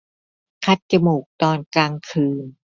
คัดจมูกตอนกลางคืน